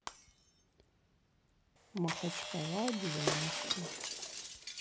махачкала девяностые